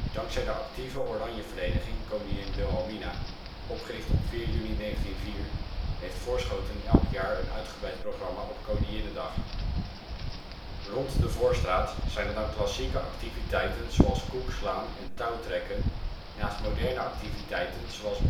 Dankzij de actieve Oranjevereniging Koningin Wilhelmina, opgericht op 4 juni 1904, heeft Voorschoten elk jaar een uitgebreid programma op Koninginnedag. Rond de Voorstraat zijn er dan klassieke activiteiten zoals koekslaan en touwtrekken naast moderne activiteiten zoals